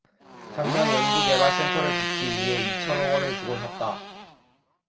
작년 연구개발센터를 짓기 위해 이천 억원을 주고 샀다